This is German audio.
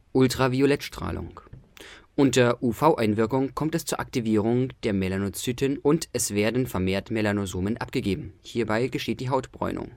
Ultraviolettstrahlung: Unter UV-Einwirkung kommt es zur Aktivierung der Melanozyten und es werden vermehrt Melanosomen abgegeben (Hautbräunung